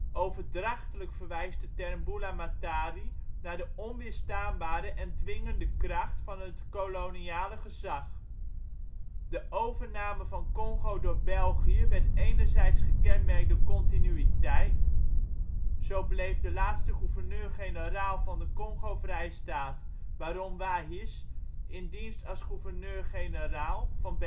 Overdrachtelijk verwijst de term bula matari naar de onweerstaanbare en dwingende kracht van het koloniale gezag. De overname van Congo door België werd enerzijds gekenmerkt door continuïteit. Zo bleef de laatste gouverneur-generaal van de Kongo-Vrijstaat, baron Wahis, in dienst als gouverneur-generaal van